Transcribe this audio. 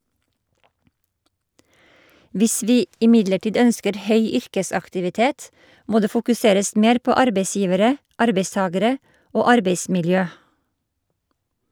Hvis vi imidlertid ønsker høy yrkesaktivitet, må det fokuseres mer på arbeidsgivere, arbeidstagere og arbeidsmiljø.